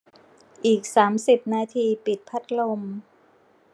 อีกสามสิบนาทีปิดพัดลม